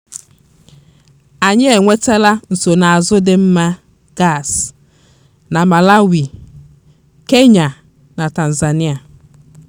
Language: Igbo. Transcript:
PG: Anyị enwetala nsonazụ dị mma gasị na Malawi, Kenya na Tazania.